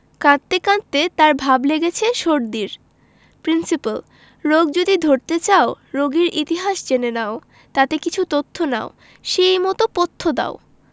কাঁদতে কাঁদতে তার ভাব লেগেছে সর্দির প্রিন্সিপাল রোগ যদি ধরতে চাও রোগীর ইতিহাস জেনে নাও তাতে কিছু তথ্য নাও সেই মত পথ্য দাও